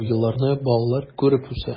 Бу йолаларны балалар күреп үсә.